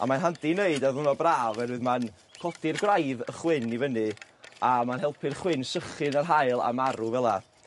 a mae'n handi neud ar ddwrnod braf oerwydd ma'n codi'r gwraidd y chwyn i fyny a ma'n helpu'r chwyn sychu 'n yr haul a marw fel 'a